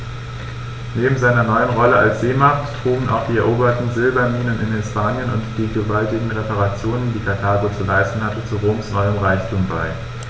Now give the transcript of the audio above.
Neben seiner neuen Rolle als Seemacht trugen auch die eroberten Silberminen in Hispanien und die gewaltigen Reparationen, die Karthago zu leisten hatte, zu Roms neuem Reichtum bei.